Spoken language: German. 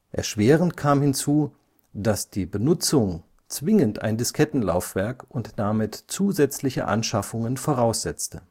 Erschwerend kam hinzu, dass die Benutzung zwingend ein Diskettenlaufwerk und damit zusätzliche Anschaffungen voraussetzte